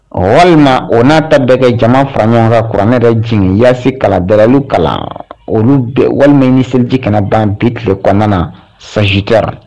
O walima o n'a ta bɛɛ kɛ jama fara ɲɔgɔn ka kuranɛ yɛrɛ jigin yasi kalanbrali kalan olu bɛ walima ni seliji kɛmɛ ban bi tile kɔnɔna na sanjidi